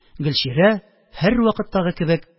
Гөлчирә, һәрвакыттагы кебек